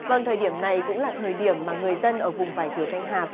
vâng thời điểm này cũng là thời điểm mà người dân ở vùng vải thiều thanh hà